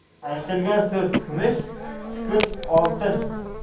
aytilgan so'z kumush sukut oltin